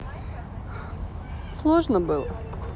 сложно было